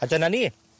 A dyna ni.